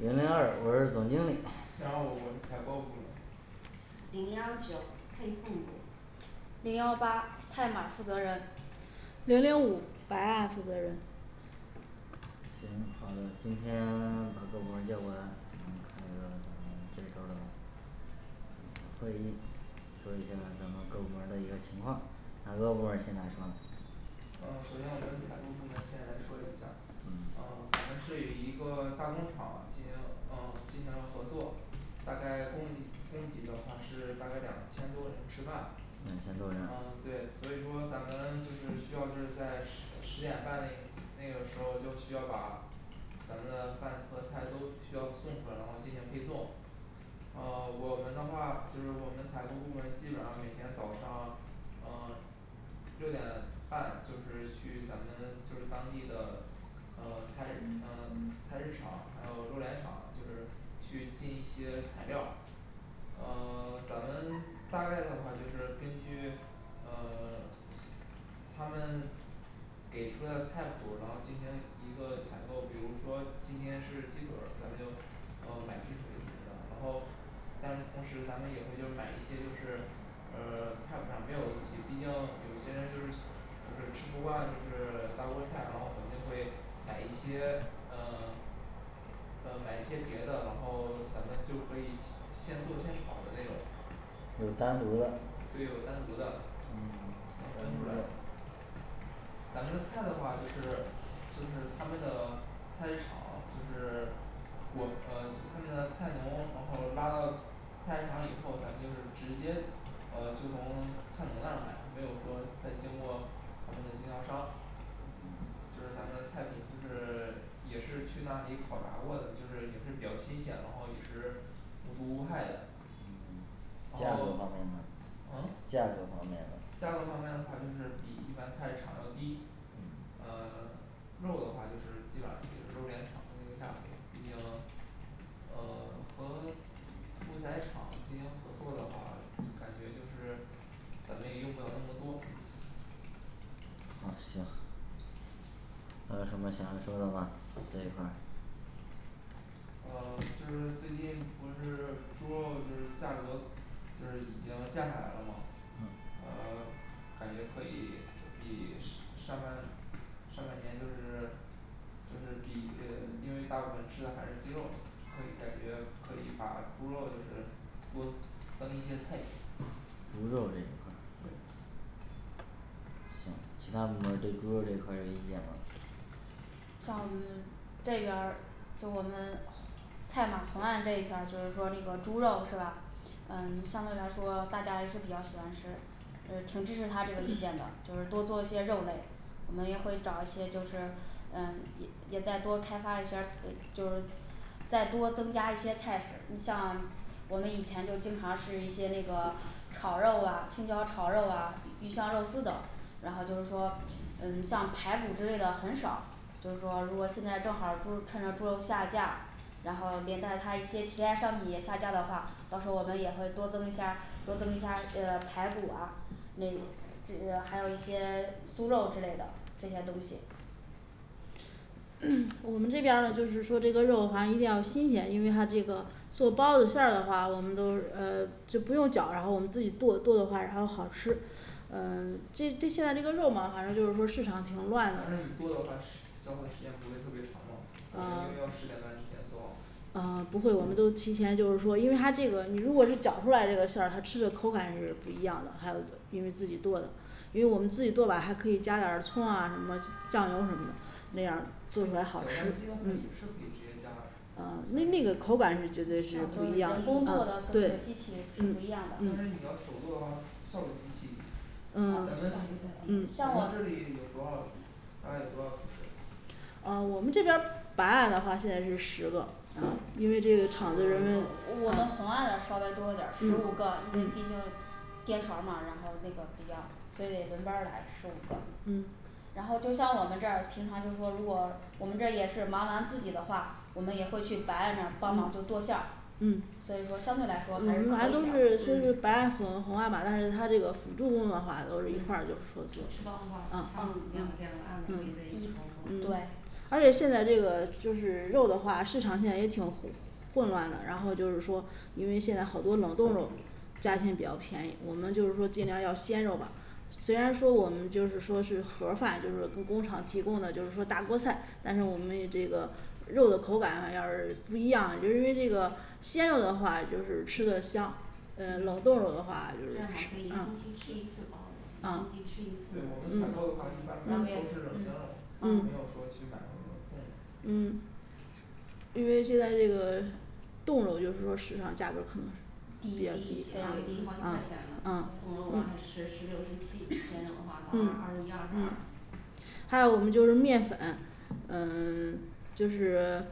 零零二我是总经理零幺五我是采购部门儿零幺九配送部零幺八菜码负责人零零五白案负责人行，好的今天 把各部门儿叫过来咱们开一个咱们这周儿的会议说一下咱们各部门儿的一个情况哪个部门儿先来说呢嗯首先我们采购部门先来说一下嗯嗯咱们是与一个大工厂进行嗯进行了合作大概供一 供给的话是大概两千多人吃饭嗯两千多人对，所以说咱们就是需要就是在十十点半那那个时候就需要把咱们的饭和菜都需要送出来，然后进行配送嗯 我们的话就是我们采购部门基本上每天早上嗯六点半就是去咱们就是当地的嗯菜市嗯菜市场还有肉联厂就是去进一些材料儿呃 咱们大概的话就是根据嗯 他们给出的菜谱儿，然后进行一个采购，比如说今天是鸡腿儿咱们就嗯买鸡腿什么的，然后但是同时咱们也会就买一些就是呃菜谱上没有的东西，毕竟有些人就是就是吃不惯就是大锅菜，然后咱们就会买一些嗯 嗯买一些别的，然后咱们就可以现 现做现炒的那种有单独的对有单独的嗯能行分出来咱们的菜的话就是就是他们的菜市场就是我呃他们的菜农，然后拉到菜市场以后，咱们就是直接呃就从菜农那儿买没有说再经过他们的经销商就是咱们的菜品就是 也是去那里考察过的就是也是比较新鲜，然后也是无毒无害嗯的然后嗯价价格格方方面面呢的话就是比一般菜市场要低嗯呃 肉的话就是基本上也是肉联厂的那个价格毕竟呃 和屠宰场进行合作的话，感觉就是咱们也用不了那么多好行还有什么想要说的吗这一块儿呃就是最近不是猪肉就是价格就是已经降下来了嘛嗯呃 感觉可以就比是 上半上半年就是就是比呃因为大部分吃的还是鸡肉，可以感觉可以把猪肉就是多增一些菜品猪肉这一块儿行其他部门儿对猪肉这一块儿有意见吗像我们这边儿就我们菜码红案这一块儿就是说这个猪肉是吧嗯相对来说大家也是比较喜欢吃对挺支持他这个意见的，就是多做一些肉类，我们也会找一些就是嗯也也再多开发一下儿呃就是再多增加一些菜式，你像我们以前就是经常吃这些那个炒肉哇青椒炒肉哇鱼香肉丝等，然后就是说嗯像排骨之类的很少，就是说如果现在正好这猪肉趁着猪肉下架然后连带它一些其它商品也下架的话，到时候儿我们也会多增一下儿多增一下儿呃排骨啊那只 还有一些猪肉之类的这些东西 我们这边儿呢就是说这个肉的话一定要新鲜，因为它这个做包子馅儿的话我们都呃就不用绞然后我们自己剁剁的话然后好吃呃就就像这个肉嘛反正就是说市但是场挺乱的你剁的话时消耗的时间不会特别长吗？咱们因为要十呃点半之前做好呃不会，我们都提前就是说，因为它这个你如果是绞出来的这个馅儿它吃的口感是不一样的还有因为自己剁的因为我们自己剁吧还可以加点儿葱啊什么的酱油什么的那搅拌机也是可样儿做出来好吃以直接加的呃那那个口感是绝对是不一样啊人工剁的跟这个对机器是但是不一样的你要手剁的话效率极其低呃效率咱嗯们咱们特嗯低这像里我有多少儿大概有多少厨师嗯我们这边儿白案的话现在是十个十个会不会太少啊因为这个场地的问嗯我们红案呢稍微多点儿十五个因为毕竟颠勺儿嘛然后那个比较所以轮班儿来十五个嗯然后就像我们这儿平常就是说如果我们这儿也是忙完自己的话，我们也会去白案那儿帮忙就剁馅儿嗯所以说相对来说还是可以的反正都是是白案嗯和红案嘛但是它这个辅助功能吧就是一块吃包子话就上儿就是说，嗯两两个案子可以在一起工作对而且现在这个就是肉的话市场现在也挺混乱的，然后就是说因为现在好多种肉种价钱比较便宜，我们就是说尽量要鲜肉吧虽然说我们就是说是盒儿饭就是工厂提供的就是说大锅菜，但是我们的这个肉的口感要是不一样，就是因为这个鲜肉的话就是吃的香嗯冷冻肉的话就正好吃一星啊期吃一次包子每啊星期吃一对次我们嗯采购的话一般方买的便都是冷鲜肉没有说去买过啊那种冻肉嗯因为现在这个冻肉就是说市场价格可能低低一些廉对一低些啊嗯好几块钱呢嗯冻肉的话 是十六十七鲜肉的话到嗯二二十一二十嗯二还有我们就是面粉嗯 就是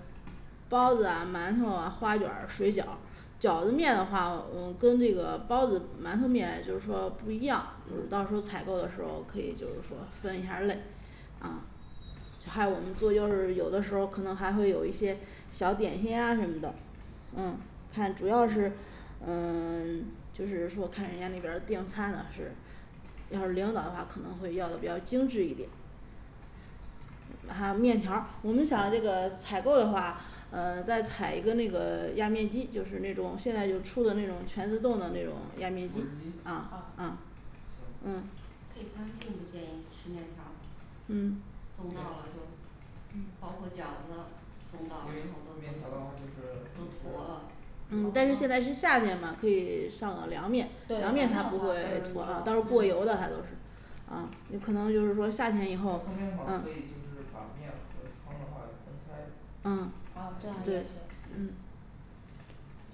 包子啊馒头啊花卷儿水饺儿饺子面的话，我跟那个包子馒头面就是说不一样，到时候采嗯购的时候可以就是说分一下儿类啊还有我们做就是有的时候儿可能还会有一些小点心呀什么的嗯看主要是嗯 就是说看人家那边儿订餐的是要是领导的话可能会要的比较精致一点还有面条儿你们想这个采购的话嗯再采一个那个压面机，就是那种现在又出的那种全自动的那种压面辅机食啊啊啊机行配餐并不建议吃面条儿嗯送到了就包括饺子因送到里头都为面条儿的话就是都就都坨了是嗯但对是现在是夏天嘛可以上对凉面凉凉面面的的话话就是说浇过油的那都是嗯就可能就是说咱夏送天以面条后儿嗯可以就是把面和汤的话分哦嗯开好这样也行嗯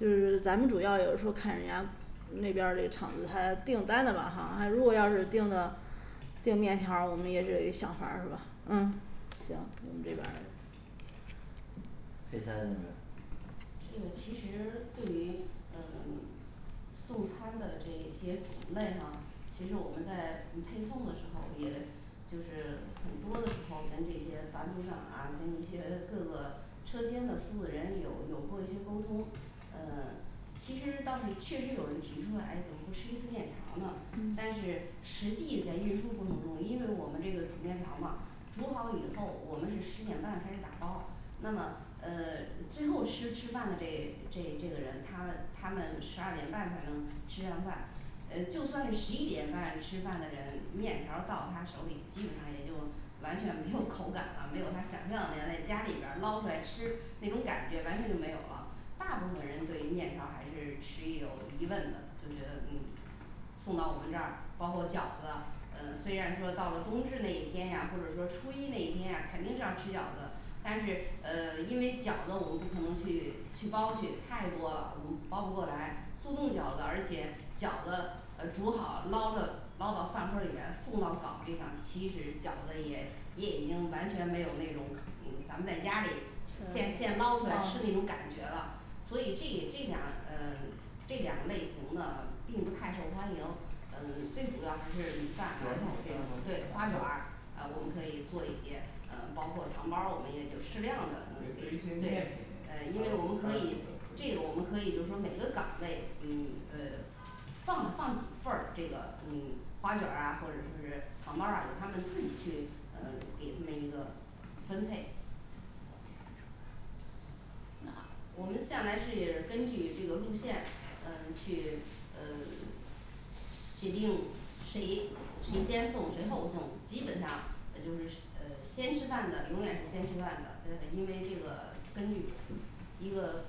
就是咱们主要有时候看人家那边儿这厂子他订单的哈他如果要是订的订面条儿，我们也是得想法儿是吧嗯行，我们这边儿配菜这边儿呢这个其实对于嗯 送餐的这一些种类哈其实我们在嗯配送的时候也就是很多的时候跟这些班组长啊跟一些各个车间的负责人有有过一些沟通嗯 其实倒是确实有人提出来怎么不吃一次面条儿呢但嗯是实际在运输过程中，因为我们这个煮面条儿嘛煮好以后，我们是十点半开始打包那么呃最后吃吃饭的这这这个人他他们十二点半才能吃上饭呃，就算是十一点半吃饭的人，面条儿到他手里基本上也就完全没有口感了， 没有他想象的那样在家里边儿捞出来吃，那种感觉完全就没有了。大部分人对于面条儿还是持有疑问的，就觉得嗯送到我们这儿包括饺子嗯虽然说到了冬至那一天呀或者说初一那一天呀肯定是要吃饺子但是嗯因为饺子我们不可能去去包去太多了，我们包不过来速冻饺子，而且饺子嗯煮好捞着捞到饭盒儿里面儿送到岗位上，其实饺子也也已经完全没有那种嗯咱们在家里现现捞出来吃那种感觉嗯了，所以这这两嗯这两类型呢并不太受欢迎嗯最主要还是米馒饭馒头头不可对对能花卷经儿常啊做我们可以做一些嗯包括糖包儿我们对对一些面品还有米饭什么的也就适量的嗯给对嗯因为我们可以这个我们可以可以就说每个岗位嗯呃放放几份儿这个嗯花卷儿呀或者是糖包儿啊由他们自己去嗯给他们一个分配啊我们向来是根据这个路线嗯去嗯 指定谁谁先送谁后送，基本上也就是呃先吃饭的，永远是先吃饭的，&对&因为这个根据一个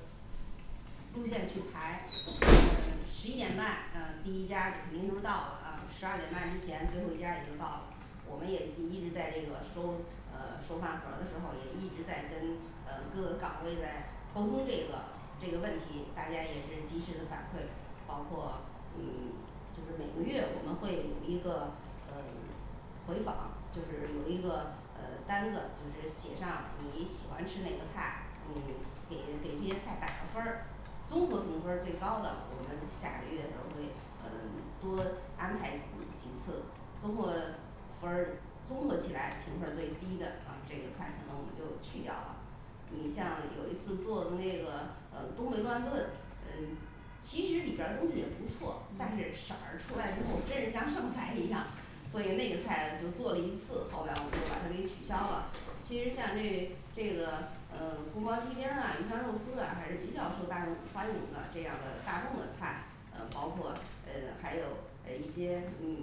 路线去排嗯十一点半嗯第一家就肯定就是到了啊十二点半之前最后一家也就到了，我们也一一直在这个收嗯收饭盒儿的时候，也一直在跟嗯各个岗位在沟通这个这个问题，大家也是及时的反馈，包括嗯 就是每个月我们会有一个嗯回访就是有一个呃单子就是写上你喜欢吃哪个菜嗯给给这些菜打个分儿综合评分儿最高的，我们下个月的时候儿会嗯多安排几几次综合分儿综合起来评分儿最低的啊这个菜可能我们就去掉了你像有一次做的那个呃东北乱炖嗯其实里边儿东西也不错，但是色儿出来之后真是像剩菜一样 所以那个菜就做了一次后来我们就把它给取消了其实像这这个嗯宫保鸡丁儿啊鱼香肉丝呀还是比较受大众欢迎的这样儿的大众的菜嗯包括嗯还有呃一些嗯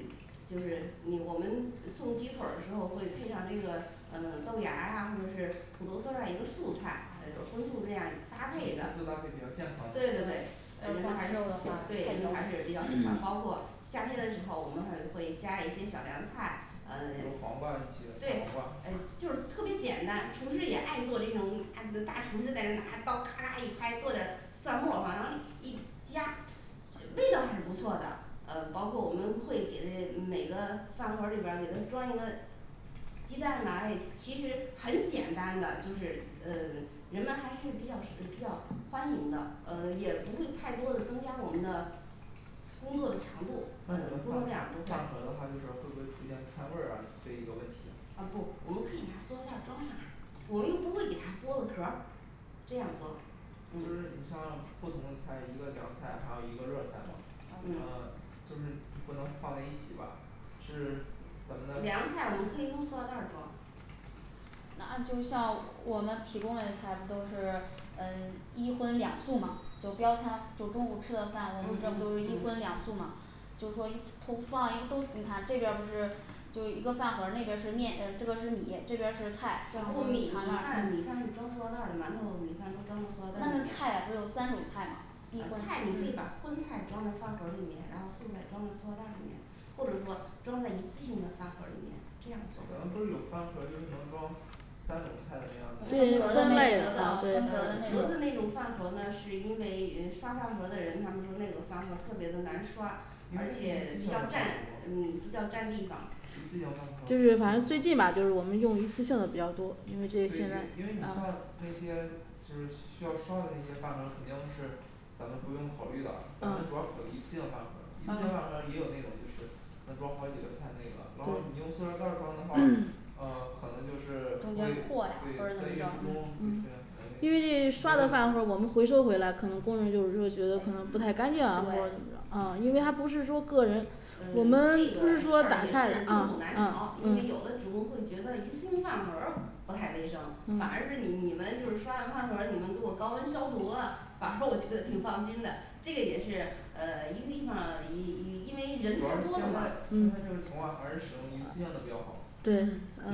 就是你我们呃送鸡腿儿时候会配上这个嗯豆芽儿呀或者是土豆丝儿啊一个素菜嗯荤哦素这样荤搭配素着搭配比较健康对对对嗯人们还说对人们还是比较喜欢，包括夏天的时候，我们还会加一些小凉菜嗯比如黄瓜一些对拍黄诶就瓜是特别简单，厨师也爱做这种大大厨师在那儿拿刀咔嚓一拍剁点儿蒜末儿往里一加这味道还是不错的嗯包括我们会给这每个饭盒儿里边儿给它装一个鸡蛋呢哎其实很简单的就是呃人们还是比较是比较欢迎的嗯也不会太多的增加我们的工作的那咱们强度饭呃工作饭量不盒儿的会话就是会不会出现串味儿啊这一个问题啊不我们可以拿塑料袋装上它，我们又不会给它剥了壳儿这样装就嗯是你像不同的菜，一个凉菜，还有一个热菜嘛呃嗯就是不能放在一起吧是怎么的凉菜我可以用塑料袋儿装那就像我们提供嘞菜不都是嗯一荤两素嘛就标餐，就中午吃的饭，我们这不嗯都是一嗯荤两素嗯嘛就是说一都放一都你看这边儿不是就一个饭盒儿那边儿是面嗯这个是米这边儿是菜那然后米饭米饭是装塑料袋儿馒头米饭都装在塑料袋儿里那菜不是有三种菜嘛面第呃一关菜你可以把荤菜嗯装在饭盒儿里面，然后素菜装在塑料袋儿里面或者是说装在一次性的饭盒儿里面，这样装咱们不是有餐盒就是能装三种菜的那个格儿的那个呃对啊那样分格儿的那格格儿的的子种那那种种饭盒呢是因为嗯刷饭盒儿的人他们说那种饭盒儿特别的难刷有，那而种一且次比性较的饭占盒嗯比吗较占地方儿一次性饭盒就是反儿正所最以因近因为吧就是我们用你一次性的比较多因为这个现在像那些就是需要刷的那些饭盒儿肯定是咱们不用考虑了咱们主要考啊虑一次性饭盒儿一次性啊饭盒儿也有那种就是能装好几个对 菜那个然后你用塑料袋儿装的话呃可能就是中会对在间运输中破呀或会者出怎么着现嗯嗯可能会因为一这刷的饭盒儿我们回些问题收回来可能工人就是说觉得说不太干净啊或者怎么着对嗯因为他不是说个人呃这个事儿也是众口难调我们就是说买菜嗯嗯嗯，因为嗯有的职工会觉得一次性饭盒儿不太卫生，反而是你你们就是刷了饭盒儿你们给我高温消毒了反而我觉得挺放心的 这个也是呃一个地方一一因为人主要太是多了现嘛在现嗯在这个情况还是使用一次性的比较好嗯对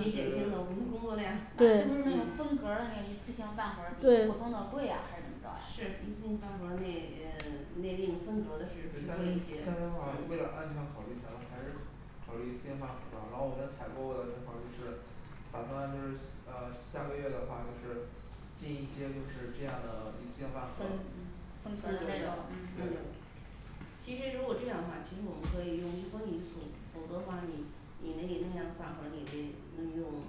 也减轻了我们工作量对对是不是那个分格嗯儿的那个一次性饭盒儿比普通的贵呀还是怎么着啊是一次性饭盒儿那但是但嗯那那分格儿的是会贵一些是话我们为了嗯安全考虑咱们还是考虑一次性饭盒儿吧然后我们采购的这块儿就是打算就是嗯下个月的话就是进一些就嗯是这样的一次性饭盒嗯那分格儿儿的那对种种嗯其实如果这样的话，其实我们可以用一荤一素否则的话，你你那那样的饭盒儿你那能用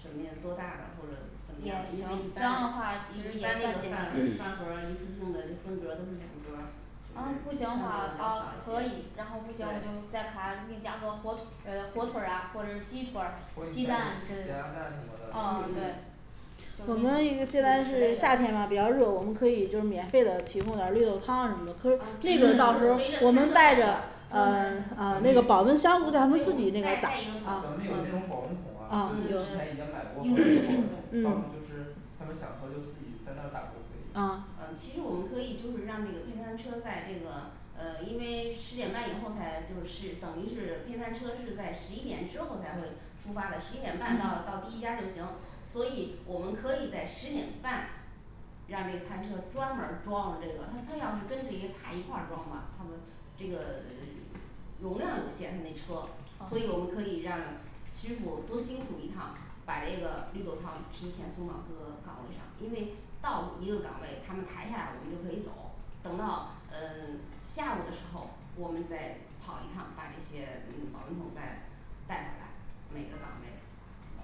什么样多大的或者怎么样，也因行为一这样的般话其实也一般那占个饭饭盒儿一次性的就分格儿都是两格儿其实分格儿的嗯比不较行的话嗯少可以，然后一不些行我就对在给你另加个火腿 呃火腿儿呀或者是鸡腿儿或者鸡你蛋在对对咸对鸭蛋什嗯嗯么的对嗯就那种辅食类的我们也是虽然是夏天嘛比较热我们可以就是免费的提供点儿绿豆汤儿什么就是咱那个咱们有那种保温桶啊对之前已经买过这个保温桶到时嗯咱那个保温箱带带一个对对对桶就是他们想喝就自己在那儿打就可以嗯其实我们可以就是让这个配餐车在这个嗯因为十点半以后才就十等于是配餐车是在十一点之后才会出发的，十一点半到到第一家就行，所以我们可以在十点半让那餐车专门儿装我们这个它它要是跟这些菜一块儿装吧它的这个 容量有限它那车，所以我们哦可以让师傅多辛苦一趟，把这个绿豆汤提前送到各个岗位上，因为到一个岗位他们抬下来我们就可以走等到嗯下午的时候我们再跑一趟，把这些嗯保温桶再带回来每个岗位